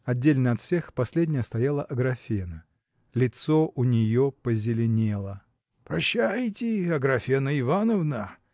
Отдельно от всех, последняя стояла Аграфена. Лицо у нее позеленело. – Прощайте, Аграфена Ивановна!